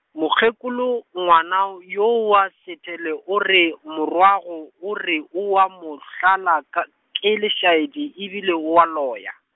mokgekolo, ngwana yo wa Sethale o re morwago o re oa mo hlala ka, ke lešaedi e bile oa loya.